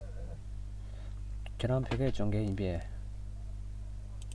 ཁྱེད རང བོད སྐད སྦྱོང མཁན ཡིན པས